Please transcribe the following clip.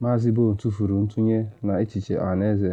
Maazị Boone tufuru ntụnye na echiche ọhaneze